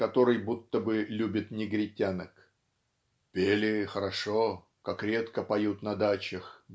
который будто бы любит негритянок. "Пели хорошо как редко поют на дачах